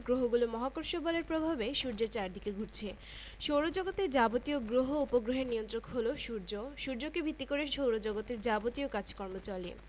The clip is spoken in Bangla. ১৪ ভূগোল সৌরজগৎ সূর্য এবং তার গ্রহ উপগ্রহ গ্রহাণুপুঞ্জ অসংখ্য ধুমকেতু ও অগণিত উল্কা নিয়ে সৌরজগৎ গঠিত সূর্য সৌরজগতের কেন্দ্রে অবস্থান করছে